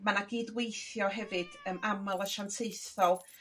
ma' 'na gydweithio hefyd yn amal asiantaethol